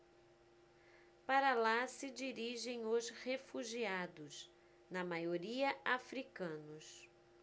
para lá se dirigem os refugiados na maioria hútus